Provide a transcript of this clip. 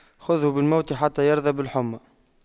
خُذْهُ بالموت حتى يرضى بالحُمَّى